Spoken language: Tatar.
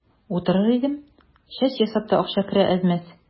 Утырыр идем, чәч ясап та акча керә әз-мәз.